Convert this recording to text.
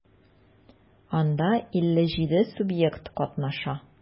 Анда 57 субъект катнаша.